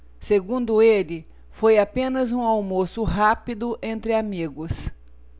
segundo ele foi apenas um almoço rápido entre amigos